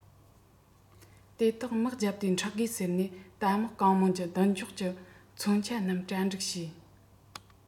དེ དག དམག བརྒྱབ སྟེ འཕྲོག དགོས ཟེར ནས རྟ དམག རྐང དམག གྱི མདུན སྒྱོགས ཀྱི མཚོན ཆ རྣམས གྲ སྒྲིག བྱས